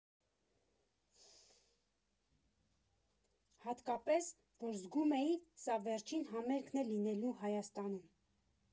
Հատկապես, որ զգում էի՝ սա վերջին համերգն է լինելու Հայաստանում։